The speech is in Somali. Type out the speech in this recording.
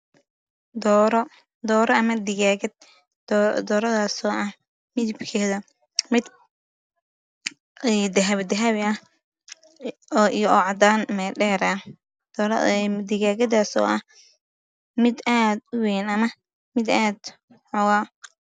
Dooro ama digagad doradas Oo midab keedu yahay dahabi iyo cadan